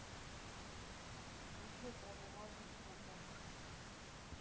видео про бумажных кукол